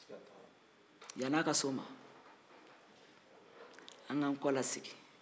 yanni a ka se o ma an k'an kɔsegin